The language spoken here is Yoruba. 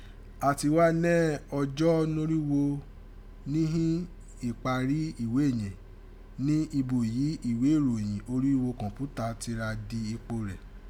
A ti wá nẹ́ ọjọ́ norígho níhìn ín ǹparí ìwé yẹ̀n, ni ibo yìí ìwé ìròyẹ̀n orígho kọ̀m̀pútà ti ra dí ipò rẹ̀.